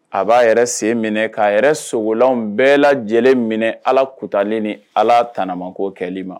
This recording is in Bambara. A b'a yɛrɛ sen minɛ k'a yɛrɛ sogolanw bɛɛ lajɛlen minɛ Ala kotali ni Ala tanamakow kɛli ma